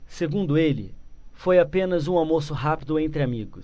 segundo ele foi apenas um almoço rápido entre amigos